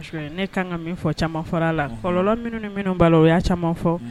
Ne ka kan ka min fɔ caman fara la kɔlɔnlɔ minnu ni minnu b'a o y'a caman fɔ